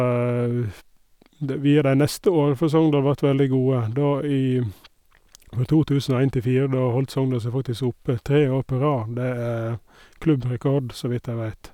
de via De neste åra for Sogndal vart veldig gode, da i fra to tusen og en til fire, da holdt Sogndal seg faktisk oppe tre år på rad, det er klubbrekord, så vidt jeg vet.